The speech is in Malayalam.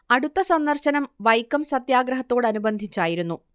അടുത്ത സന്ദർശനം വൈക്കം സത്യാഗ്രഹത്തോടനുബന്ധിച്ച് ആയിരുന്നു